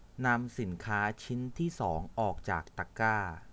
นำสินค้าชิ้นที่สองออกจากตะกร้า